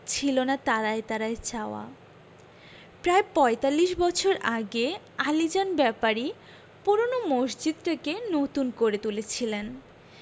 ছিলনা তারায় তারায় ছাওয়া প্রায় পঁয়তাল্লিশ বছর আগে আলীজান ব্যাপারী পূরোনো মসজিদটাকে নতুন করে তুলেছিলেন